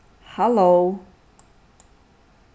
halló